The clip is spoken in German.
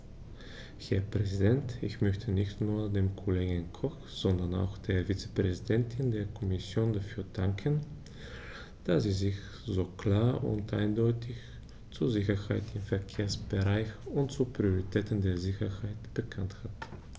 Herr Präsident, ich möchte nicht nur dem Kollegen Koch, sondern auch der Vizepräsidentin der Kommission dafür danken, dass sie sich so klar und eindeutig zur Sicherheit im Verkehrsbereich und zur Priorität der Sicherheit bekannt hat.